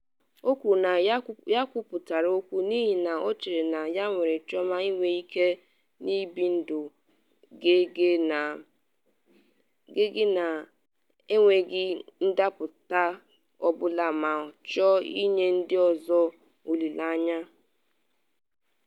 O kwuru na ya kwuputara okwu n’ihi na ọ chere na ya nwere chiọma inwe ike na-ebi ndụ ghe oghe na-enweghị ndapụta ọ bụla ma chọọ inye ndị ọzọ “olile anya.”